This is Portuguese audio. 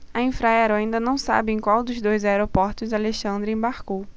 a infraero ainda não sabe em qual dos dois aeroportos alexandre embarcou